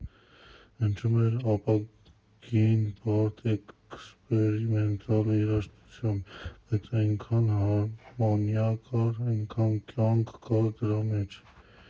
Հնչում էր ահագին բարդ էքսպերիմենտալ երաժշտություն, բայց էնքան հարմոնիա կար, էնքան կյանք կար դրա մեջ։